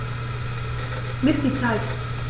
Miss die Zeit.